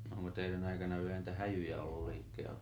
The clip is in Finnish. onko teidän aikana vielä niitä häjyjä ollut liikkeellä